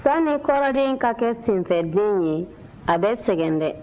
sanni kɔladen ka kɛ senfɛden ye a bɛ sɛgɛn dɛ